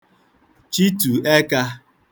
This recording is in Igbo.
chịtù ẹkā